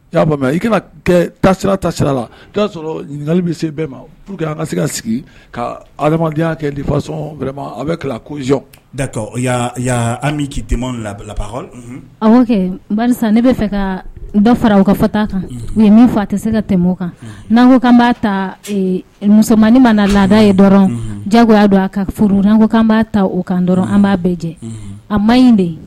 I ka kɛ tasira ta sira la y'a sɔrɔ ɲininkali bɛ se bɛɛ ma an ka se ka sigi ka adamadenya kɛfasɔn a bɛ kalan koz da an labila a ne bɛ fɛ ka dɔ fara u ka fɔta kan nin ye min fɔ a tɛ se ka tɛmɛmo kan n'an ko ka'a ta musomanmaninin mana na laada ye dɔrɔn jago y'a don a ka furu ko kan b'a ta o kan dɔrɔn an b'a bɛɛ jɛ a ma in bɛ yen